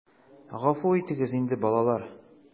Гафу итегез инде, балалар...